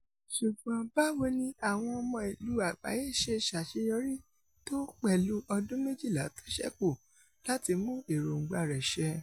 Ṣùgbọn báwo ni àwọn Ọmọ Ìlú Àgbáyé ṣe ṣàṣeyọrí tó pẹ̀lú ọdún méjìlá tóṣẹ́kù láti mú èróńgbà rẹ̀ ṣẹ?